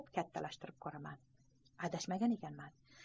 kattalashtirib ko'raman adashmagan ekanman